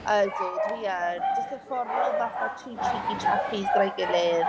Ydw, dwi yn jyst y ffordd maen nhw'n fatha two cheeky chappies gyda'i gilydd.